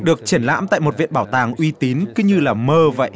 được triển lãm tại một viện bảo tàng uy tín cứ như là mơ vậy